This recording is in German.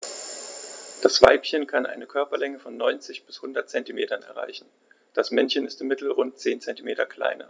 Das Weibchen kann eine Körperlänge von 90-100 cm erreichen; das Männchen ist im Mittel rund 10 cm kleiner.